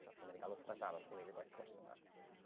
So chi'n mynd i gael wythnos arall i wneud y gwaith cwrs yma.